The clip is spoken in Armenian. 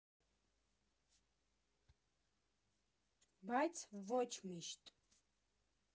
Բայց ոչ միշտ։